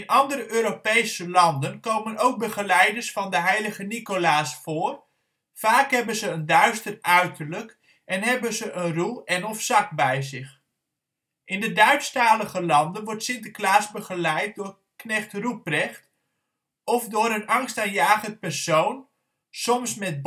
andere Europese landen komen ook begeleiders van de Heilige Nicolaas voor. Vaak hebben ze een duister uiterlijk en hebben ze een roe en/of zak bij zich. In de Duitstalige landen wordt Sinterklaas begeleid door knecht Ruprecht, of door een angstaanjagend persoon (soms met